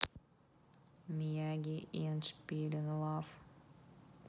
miyagi и эндшпиль in love